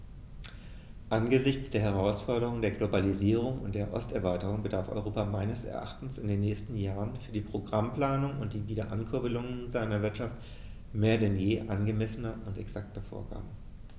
Angesichts der Herausforderung der Globalisierung und der Osterweiterung bedarf Europa meines Erachtens in den nächsten Jahren für die Programmplanung und die Wiederankurbelung seiner Wirtschaft mehr denn je angemessener und exakter Vorgaben.